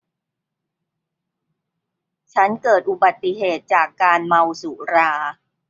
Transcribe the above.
ฉันเกิดอุบัติเหตุจากการเมาสุรา